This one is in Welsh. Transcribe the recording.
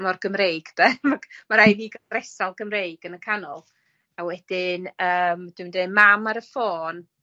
mor Gymreig 'de ma' ma' raid fi ca'l dresal Gymreig yn y canol, a wedyn yym dwi myn' i deu mam ar y ffôn